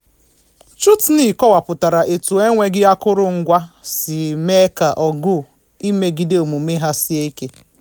Chutni kọwapụtara etu enweghị akụrụngwa si mee ka ọgụ imegide omume ha sie ike.